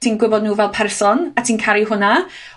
ti'n gwbod nw fel person, a ti'n caru hwnna.